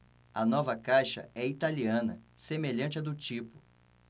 a nova caixa é italiana semelhante à do tipo